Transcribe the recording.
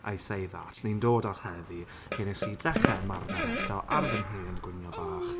I say that. Ni'n dod at heddi, lle wnes i dechrau ymarfer eto ar fy mheiriant gwnïo bach...